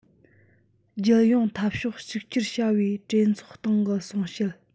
རྒྱལ ཡོངས འཐབ ཕྱོགས གཅིག གྱུར བྱ བའི གྲོས ཚོགས སྟེང གི གསུང བཤད